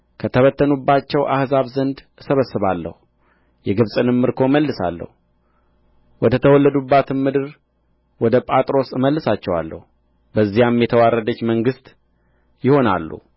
ከተበተኑባቸው አሕዛብ ዘንድ እሰበስባለሁ የግብጽንም ምርኮ እመልሳለሁ ወደ ተወለዱባትም ምድር ወደ ጳትሮስ እመልሳቸዋለሁ በዚያም የተዋረደች መንግሥት ይሆናሉ